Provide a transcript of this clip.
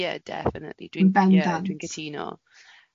Ie definitely dwi'n bendant. ie dwi'n cytuno.